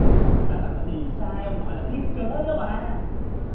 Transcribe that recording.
người ta đọc là đì sai ông nội là thiết kế đó ba